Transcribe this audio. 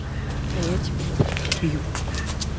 а я тебя завтра убью